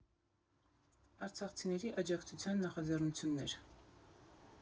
Արցախցիների աջակցության նախաձեռնություններ։